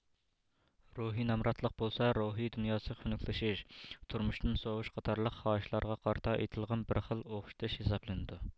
روھى نامراتلىق بولسا روھى دۇنياسى خۇنۈكلىشىش تۇرمۇشتىن سوۋۇش قاتارلىق خاھىشلارغا قارىتا ئېيتىلغان بىر خىل ئوخشىتىش ھېسابلىنىدۇ